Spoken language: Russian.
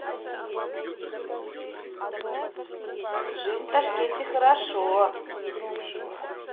жизнь в ташкенте хорошо